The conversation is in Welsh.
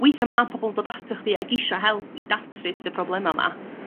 Weitha' ma' pobol yn dod atoch chdi ag isio help i datrys y problema 'ma.